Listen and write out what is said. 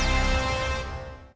bạn